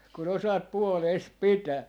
kun osaat puolesi pitää